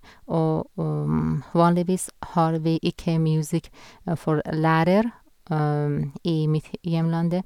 og Og vanligvis har vi ikke musikk for lærer i mitt hjemlandet.